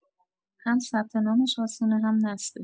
هم ثبت نامش آسونه و هم نصبش